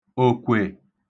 òkwè